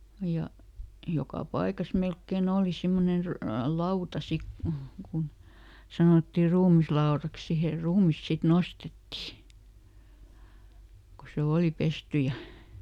ja joka paikassa melkein oli semmoinen - lauta sitten kun kun sanottiin ruumislaudaksi siihen ruumis sitten nostettiin kun se oli pesty ja